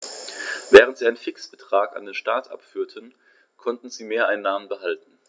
Während sie einen Fixbetrag an den Staat abführten, konnten sie Mehreinnahmen behalten.